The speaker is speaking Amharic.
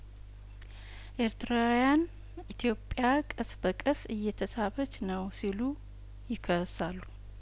ኤርትራውያን ኢትዮጵያ ቀስ በቀስ እየተሳበች ነው ሲሉ ይከሳሉ